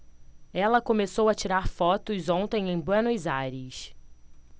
ela começou a tirar fotos ontem em buenos aires